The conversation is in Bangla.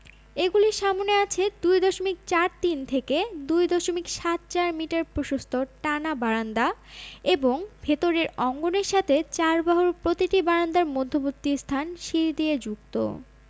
এগুলির সামনে আছে ২ দশমিক চার তিন থেকে ২ দশমিক সাত চার মিটার প্রশস্ত টানা বারান্দা এবং ভেতরের অঙ্গনের সাথে চারবাহুর প্রতিটি বারান্দার মধ্যবর্তীস্থান সিঁড়ি দিয়ে যুক্ত